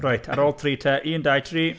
Reit ar ôl tri te, un dau tri.